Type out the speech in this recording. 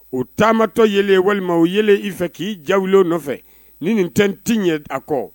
U taamatɔ ye walima ye i fɛ k'i jawu nɔfɛ ni nin tɛ n' ye a kɔ